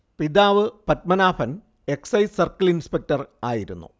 പിതാവ് Padmanabhan excise circle inspector ആയിരുന്നു